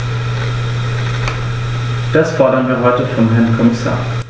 Das fordern wir heute vom Herrn Kommissar.